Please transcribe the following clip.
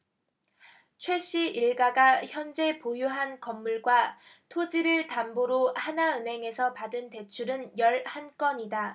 최씨 일가가 현재 보유한 건물과 토지를 담보로 하나은행에서 받은 대출은 열 한 건이다